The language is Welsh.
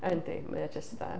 Yndi, mae o jyst fatha.